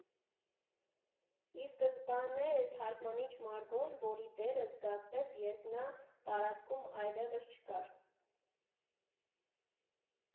Ի սկզբանե էր թարգմանիչ Մարգոն, որի դերը զգացվեց, երբ նա տարածքում այլևս չկար։